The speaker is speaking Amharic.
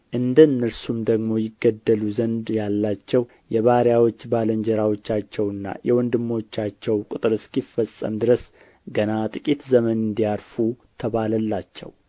እንደ እነርሱም ደግሞ ይገደሉ ዘንድ ያላቸው የባሪያዎች ባልንጀራዎቻቸውና የወንድሞቻቸው ቍጥር እስኪፈጸም ድረስ ገና ጥቂት ዘመን እንዲያርፉ ተባለላቸው